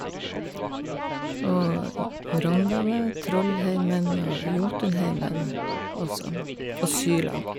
Og j Rondane, Trollheimen og Jotunheimen også, og Sylan.